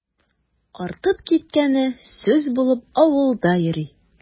Артып киткәне сүз булып авылда йөри.